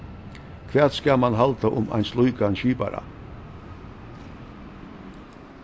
hvat skal mann halda um ein slíkan skipara